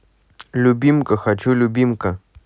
любимка хочу любимка